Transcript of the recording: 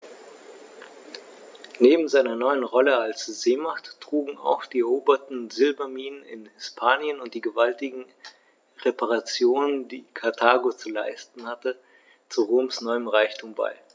Neben seiner neuen Rolle als Seemacht trugen auch die eroberten Silberminen in Hispanien und die gewaltigen Reparationen, die Karthago zu leisten hatte, zu Roms neuem Reichtum bei.